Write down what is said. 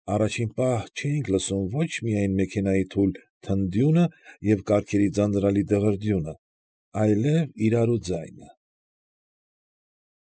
Առաջին պահ չէինք լսում ոչ միայն մեքենայի խուլ թնդյունը և կառքերի ձանձրալի դղրդյունը, այլև իրարու ձայնը։